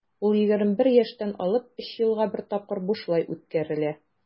Ул 21 яшьтән алып 3 елга бер тапкыр бушлай үткәрелә.